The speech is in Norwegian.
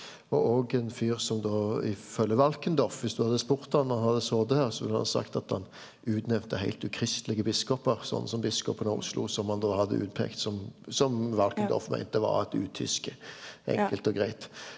og òg ein fyr som då ifølge Valkendorf viss du hadde spurt han og han hadde sete her så ville han sagt at han utnemna heilt ukristelege biskopar sånn som biskopen av Oslo som han då hadde utpekt som som Valkendorf meinte var eit utyske enkelt og greitt.